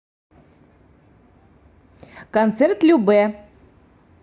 концерт любэ